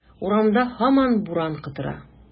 Урамда һаман буран котыра.